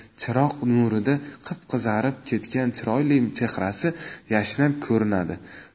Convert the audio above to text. chiroq nurida qip qizarib ketgan chiroyli chehrasi yashnab ko'rinadi